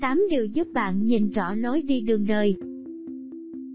điều giúp bạn nhìn rõ lối đi đường đời